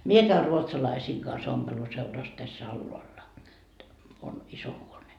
minä käyn ruotsalaisten kanssa ompeluseurassa tässä alhaalla on iso huone